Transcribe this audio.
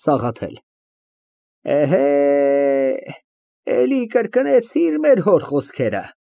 ՍԱՂԱԹԵԼ ֊ Է հե, էլի կրկնեցիր մեր հոր խոսքերը։